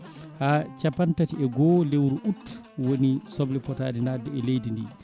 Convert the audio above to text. ha capanɗe tati e goho lewru août woni soble pootani nande e leydi ndi